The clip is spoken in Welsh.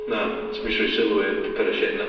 Na, ti ddim isio rhoi sylw i'r papurau shit na?